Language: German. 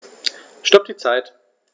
Stopp die Zeit